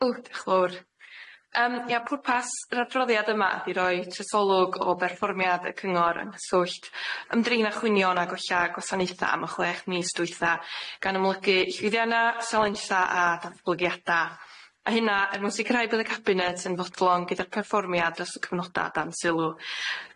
Ww dioch fowr. Yym ia pwrpas yr adroddiad yma 'di roi trysolwg o berfformiad y cyngor yn nghyswllt ymdreina chwynion a golla gwasanaetha am y chwech mis dwytha gan ymlygu llwyddianna', salensia a datblygiada a hynna er mwyn sicrhau bydd y cabinet yn fodlon gyda'r perfformiad dros y cyfnoda' dan sylw.